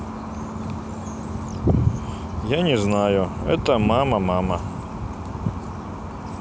я не знаю это мама мама